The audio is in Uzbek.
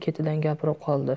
ketidan gapirib qoldi